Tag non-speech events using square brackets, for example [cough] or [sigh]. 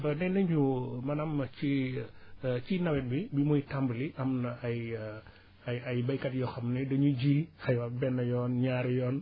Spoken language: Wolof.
nee nañu maanaam ci [hesitation] ci nawet bi muy tàmbali am na ay [hesitation] ay ay baykat yoo xam ne dañuy ji ay wa benn yoon ñaari yoon